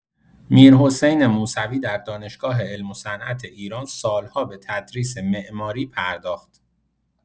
میرحسین موسوی در دانشگاه علم و صنعت ایران سال‌ها به تدریس معماری پرداخت.